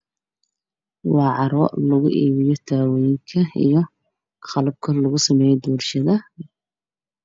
Waa carwo lugu iibiyo taawada iyo qalabka lugu sameeyo doolshada.